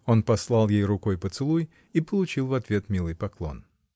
Он послал ей рукой поцелуй и получил в ответ милый поклон.